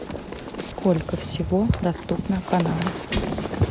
сколько всего доступно каналов